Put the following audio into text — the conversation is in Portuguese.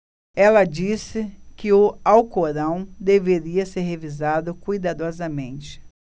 ela disse que o alcorão deveria ser revisado cuidadosamente